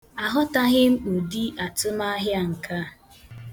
Aghọtaghị m ụdị atụmahịa nkea.